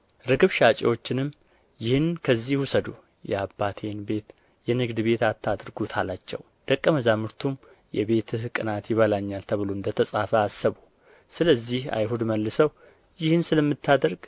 ርግብ ሻጪዎችንም ይህን ከዚህ ውሰዱ የአባቴን ቤት የንግድ ቤት አታድርጉት አላቸው ደቀ መዛሙርቱም የቤትህ ቅናት ይበላኛል ተብሎ እንደ ተጻፈ አሰቡ ስለዚህ አይሁድ መልሰው ይህን ስለምታደርግ